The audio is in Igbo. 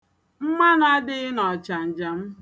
Mmanụ adịghị n'ọchanja m.